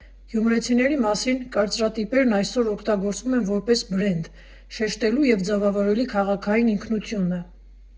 Գյումրեցիների մասին կարծրատիպերն այսօր օգտագործվում են որպես բրենդ՝ շեշտելու և ձևավորելու քաղաքային ինքնությունը։